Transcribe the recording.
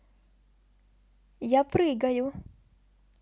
я прыгаю